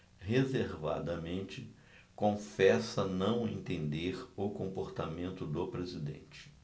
reservadamente confessa não entender o comportamento do presidente